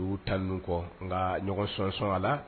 Uu ta kɔ nka ɲɔgɔn sonsɔn a la